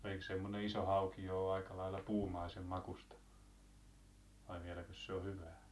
eikös semmoinen iso hauki jo ole aika lailla puumaisen makuista vai vieläkös se on hyvää